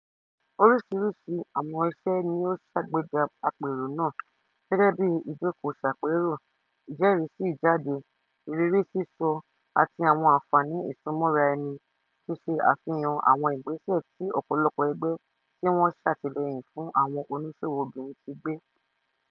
Oríṣiríṣi àwọn iṣẹ́ ni ó ṣàgbéga àpérò náà, gẹ́gẹ́ bíi ìjókòó-ṣàpérò, ìjẹ́rìísí ìjáde, ìrírí sísọ àti àwọn àǹfààní ìsúnmọ́raẹni ti ṣe àfihàn àwọn ìgbésẹ̀ tí ọ̀pọ̀lọpọ̀ ẹgbẹ́ tí wọ́n ṣe ṣàtìlẹ́yìn fún àwọn oníṣòwò obìnrin ti gbé.